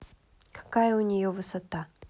какая у нее высота